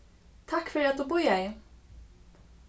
takk fyri at tú bíðaði